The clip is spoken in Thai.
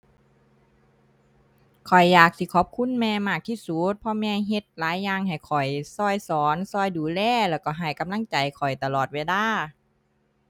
ข้อยอยากสิขอบคุณแม่มากที่สุด เพราะแม่เฮ็ดหลายอย่างให้ข้อย ช่วยสอน ช่วยดูแล แล้วก็ให้กำลังใจข้อยตลอดเวลา